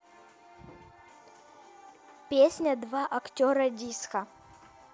песня два актера диско